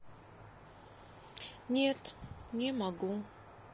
нет не могу